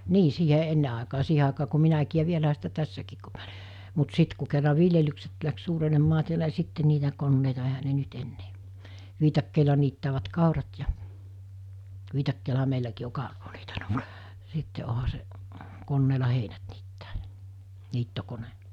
niin siihen ennen aikaan siihen aikaan kun minäkin ja vielähän sitä tässäkin kun minä olin mutta sitten kun kerran viljelykset lähti suurenemaan täällä niin sitten niitä koneita eihän ne nyt enää viikatteilla niittävät kaurat ja viikatteellahan meilläkin on kauraa sitten onhan se koneella heinät niittää ja niittokone